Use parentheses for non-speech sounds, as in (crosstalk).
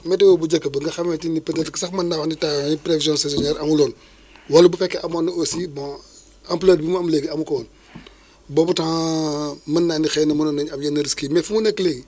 météo bu njëkk ba nga xamante ni peut être sax mën naa wax ni temps yii prévision (noise) saisonière amuloon wala bu fekkee amoon na aussi bon ampleur bi mu am léegi amu ko woon (breath) boobu temps (hesitation) mën naa ne xëy na mënoon nañu am yenn risques yi mais fu mu nekk léegi